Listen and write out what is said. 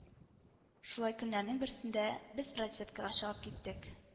Шулай көннәрнең берсендә без разведкага чыгып киттек